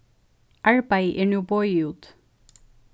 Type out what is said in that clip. arbeiðið er nú boðið út